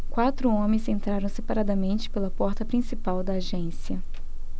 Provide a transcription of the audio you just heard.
quatro homens entraram separadamente pela porta principal da agência